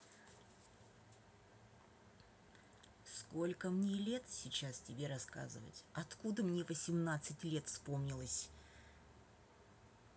сколько мне лет сейчас тебе рассказывать откуда мне восемнадцать лет вспомнилось